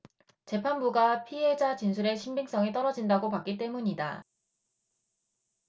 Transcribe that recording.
재판부가 피해자 진술의 신빙성이 떨어진다고 봤기 때문이다